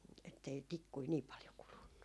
että ei tikkuja niin paljon kulunut